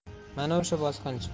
mana o'sha bosqinchi